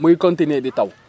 muy continuer di taw